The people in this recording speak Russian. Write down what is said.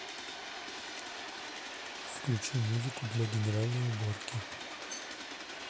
включи музыку для генеральной уборки